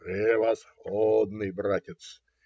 - Превосходный, братец!